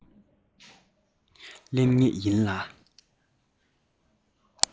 སླེབས ངེས ཡིན ལ